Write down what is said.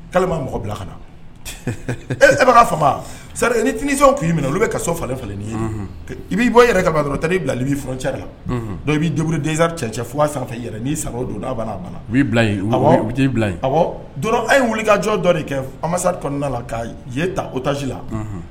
K' ma mɔgɔ bila ka na e fa ni tsi k' minɛ olu bɛ ka so falen falen ye i b'i bɔ i yɛrɛ ka dɔrɔn taa'i bila i b'i f cɛ la b'i dari densari cɛ fo' sarata n'i sara o don da a'a bala la u'i bila bila a wuli ka jɔn dɔ de kɛsari kɔnɔna la ka jɛ ta o tasi la